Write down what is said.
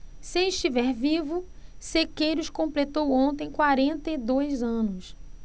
se estiver vivo sequeiros completou ontem quarenta e dois anos